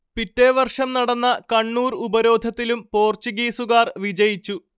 പിറ്റെ വർഷം നടന്ന കണ്ണൂർ ഉപരോധത്തിലും പോർച്ചുഗീസുകാർ വിജയിച്ചു